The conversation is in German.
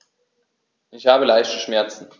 Ich habe leichte Schmerzen.